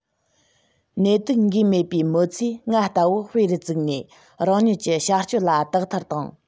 ནད དུག འགོས མེད པའི མི ཚོས ང ལྟ བུ དཔེ རུ བཙུག ནས རང ཉིད ཀྱི བྱ སྤྱོད ལ དག ཐེར དང